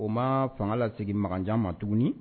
O ma fanga la sigi mankanjan ma tuguni